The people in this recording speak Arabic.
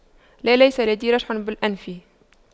لا ليس لدي رشح بالأنف